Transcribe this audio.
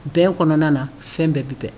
Bɛn kɔnɔna na fɛn bɛɛ bi bɛn